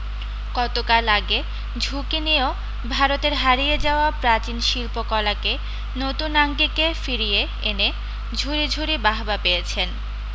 কত কাল আগে ঝুঁকি নিয়েও ভারতের হারিয়ে যাওয়া প্রাচীন শিল্পকলাকে নতুন আঙ্গিকে ফিরিয়ে এনে ঝুড়ি ঝুড়ি বাহবা পেয়েছেন